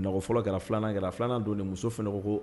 Na ko fɔlɔ kɛra, filanan kɛra, filanan don de muso fɛnɛ ko ko